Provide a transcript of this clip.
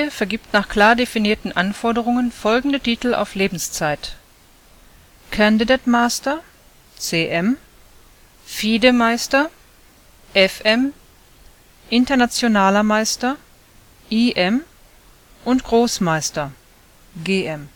vergibt nach klar definierten Anforderungen folgende Titel auf Lebenszeit: Candidate Master (CM), FIDE-Meister (FM), Internationaler Meister (IM) und Großmeister (GM